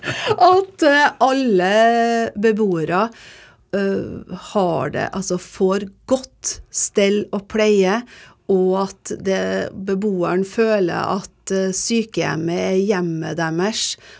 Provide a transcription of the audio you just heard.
at alle beboere har det altså får godt stell og pleie og at det beboeren føler at sykehjemmet er hjemmet deres.